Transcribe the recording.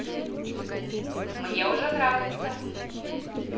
мне уже нравится